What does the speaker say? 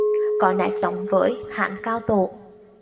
có nét giống với hán cao tổ